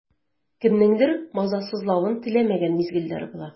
Кемнеңдер мазасызлавын теләмәгән мизгелләр була.